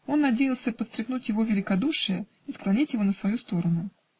Он надеялся подстрекнуть его великодушие и склонить его на свою сторону.